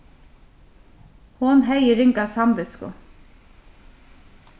hon hevði ringa samvitsku